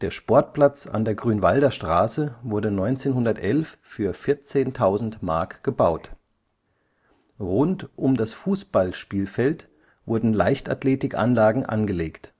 Sportplatz an der Grünwalder Straße wurde 1911 für 14.000 Mark gebaut. Rund um das Fußballspielfeld wurden Leichtathletikanlagen angelegt